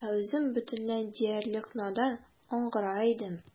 Ә үзем бөтенләй диярлек надан, аңгыра идем.